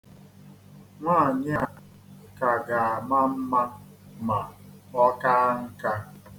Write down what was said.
Nwaanyị a ka ga-ama mma ma ọ kaa nka.